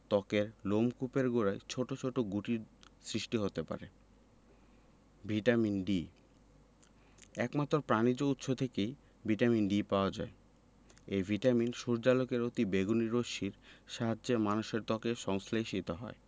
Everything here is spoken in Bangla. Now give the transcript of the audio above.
ত্বকের লোমকূপের গোড়ায় ছোট ছোট গুটির সৃষ্টি হতে পারে ভিটামিন D একমাত্র প্রাণিজ উৎস থেকেই ভিটামিন D পাওয়া যায় এই ভিটামিন সূর্যালোকের অতিবেগুনি রশ্মির সাহায্যে মানুষের ত্বকে সংশ্লেষিত হয়